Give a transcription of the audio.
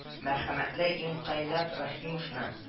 Мәрхәмәтле инкыйләб рәхимовны